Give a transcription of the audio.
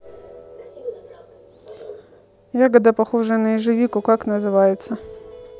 ягода похожая на ежевику как называется